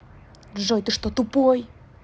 джой ты что тупой